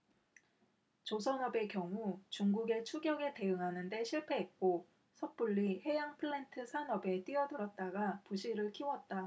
조선업의 경우 중국의 추격에 대응하는 데 실패했고 섣불리 해양플랜트 산업에 뛰어들었다가 부실을 키웠다